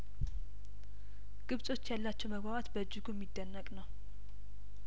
ግብጾች ያላቸው መግባባት በእጅጉ እሚደነቅ ነው